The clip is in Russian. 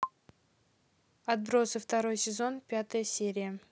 отбросы второй сезон пятая серия